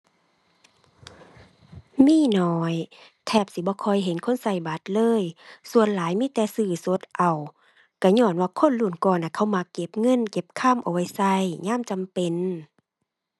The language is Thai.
มีน้อย แทบสิบ่ค่อยเห็นคนใช้บัตรเลย ส่วนหลายมีแต่ซื้อสดเอา ใช้ญ้อนว่าคนรุ่นก่อนน่ะเขามักเก็บเงินเก็บคำเอาไว้ใช้ยามจำเป็น